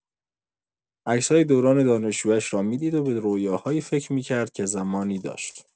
عکس‌های دوران دانشجویی‌اش را می‌دید و به رویاهایی فکر می‌کرد که زمانی داشت.